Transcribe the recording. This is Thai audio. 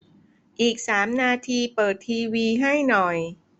อีกสามนาทีเปิดทีวีให้หน่อย